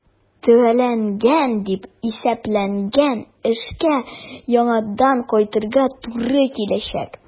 Төгәлләнгән дип исәпләнгән эшкә яңадан кайтырга туры киләчәк.